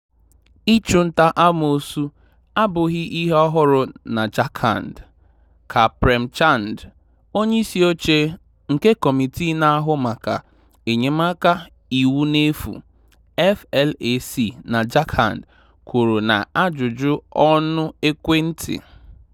Ịchụnta amoosu abụghị ihe ọhụrụ na Jharkhand, ka Prem Chand, Onyeisioche nke Kọmitii Na-ahụ Maka Enyemaka Iwu N'efu (FLAC) na Jharkhand kwuru na n'ajụjụ ọnụ ekwentị.